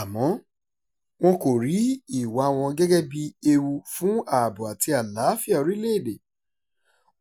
Àmọ́ wọn kò rí ìwàa wọn gẹ́gẹ́ bíi ewu fún ààbò àti àlàáfíà orílẹ̀-èdè;